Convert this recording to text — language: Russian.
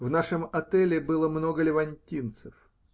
В нашем отеле было много левантинцев.